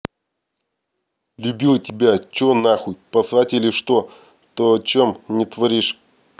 любил тебя че нахуй послать или что то чем не творишь